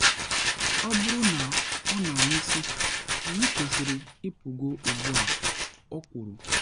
‘Ọ bụrụ na ọ nọ n’isi, anyị kwesịrị ịpụgo ugbu a,’ o kwuru.